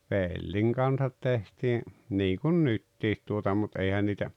pellin kanssa tehtiin niin kuin nyt tuota mutta eihän niitä